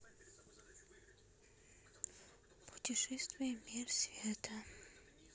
путешествие в мир света